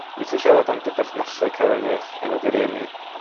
Wyt ti'n siarad am dy berthnasau carwriaeth efo dy rieni?